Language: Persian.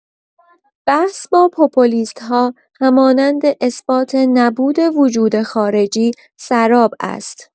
بحث با پوپولیست‌ها، همانند اثبات نبود وجود خارجی، سراب است.